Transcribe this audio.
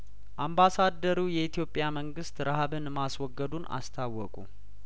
አምባሳደሩ የኢትዮጵያ መንግስት ረሀብን ማስወገዱን አስታወቁ